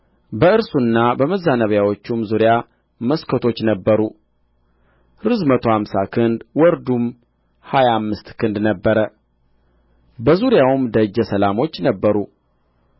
በእርሱና በመዛነቢያዎቹም ዙሪያ መስኮቶች ነበሩ ርዝመቱ አምሳ ክንድ ወርዱም ሀያ አምስት ክንድ ነበረ በዙሪያውም ደጀ ሰላሞች ነበሩ